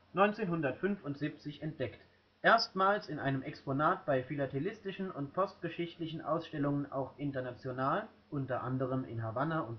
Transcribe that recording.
1975 entdeckt, erstmals in einem Exponat bei philatelistischen und postgeschichtlichen Ausstellungen auch international (u. a. in Havanna